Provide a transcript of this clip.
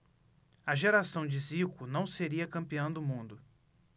a geração de zico não seria campeã do mundo